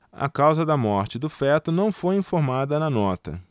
a causa da morte do feto não foi informada na nota